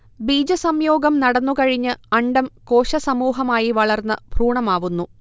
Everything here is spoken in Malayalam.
ബീജസംയോഗം നടന്നുകഴിഞ്ഞ് അണ്ഡം കോശസമൂഹമായി വളർന്ന് ഭ്രൂണമാവുന്നു